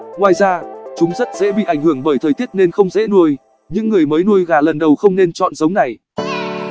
ngoài ra chúng rất dễ bị ảnh hưởng bởi thời tiết nên không dễ nuôi những người mới nuôi gà lần đầu không nên chọn giống này